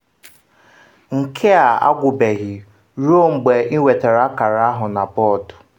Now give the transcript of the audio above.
Nke a agwụbeghị ruo mgbe inwetara akara ahụ na bọdụ.